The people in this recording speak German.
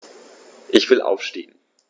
Ich will aufstehen.